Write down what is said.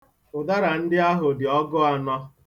Ụdara ndị ahụ dị ọgụ anọ.